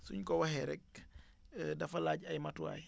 su ñu ko waxee rek dafa laaj ay matuwaay